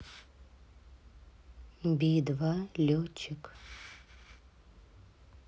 би два летчик